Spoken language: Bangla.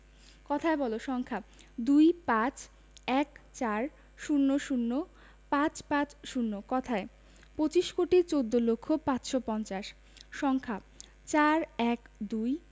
কথায় বলঃ সংখ্যাঃ ২৫ ১৪ ০০ ৫৫০ কথায়ঃ পঁচিশ কোটি চৌদ্দ লক্ষ পাঁচশো পঞ্চাশ সংখ্যাঃ ৪ ১২